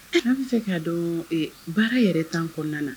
N an' bɛ se k'a dɔn baara yɛrɛ tan kɔnɔna na